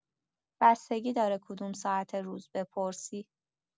بستگی داره کدوم ساعت روز بپرسی.